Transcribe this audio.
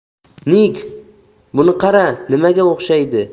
nig buni qara nimaga o'xshaydi